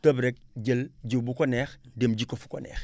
tëb rek jël jiwu bu ko neex dem ji ko fu ko neex